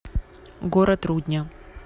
город рудня